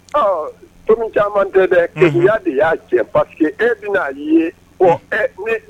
Ɔ dumuni caman tɛ dɛ kaya de y'a cɛ paseke que e bɛna ye